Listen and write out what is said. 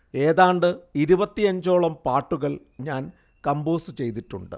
ഏതാണ്ട് ഇരുപത്തിയഞ്ചോളം പാട്ടുകൾ ഞാൻ കമ്പോസ് ചെയ്തിട്ടുണ്ട്